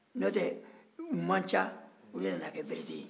notɛ u man ca u nana kɛ berete yɛlɛmana ka kɛ berete ye